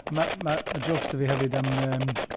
Mae- mae, mae jôcs gyda fi hefyd am yym...